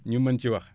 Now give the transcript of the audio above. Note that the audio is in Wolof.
ñu mën ci wax